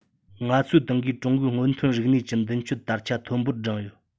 ང ཚོའི ཏང གིས ཀྲུང གོའི སྔོན ཐོན རིག གནས ཀྱི མདུན སྐྱོད དར ཆ མཐོན པོར བསྒྲེངས ཡོད